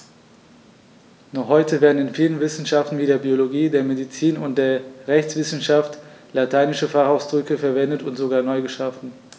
Noch heute werden in vielen Wissenschaften wie der Biologie, der Medizin und der Rechtswissenschaft lateinische Fachausdrücke verwendet und sogar neu geschaffen.